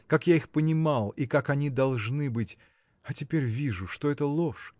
как я их понимал и как они должны быть а теперь вижу что это ложь